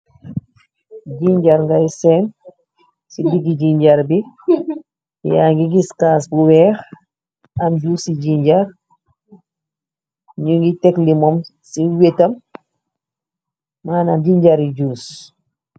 Gingery ngai seen, ci digg gingery bi yangi giss cass bu weex, ak juice gingery nu ngi tekk lemon ci wetam, manam gingery juice.